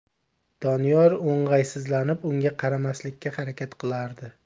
doniyor o'ng'aysizlanib unga qaramaslikka harakat qilardi